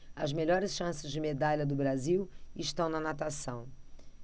as melhores chances de medalha do brasil estão na natação